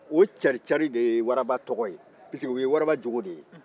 o carin carin de ye waraba tɔgɔ ye sabu o ye warab jogo ye